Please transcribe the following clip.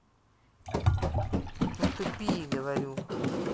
не тупи и говорю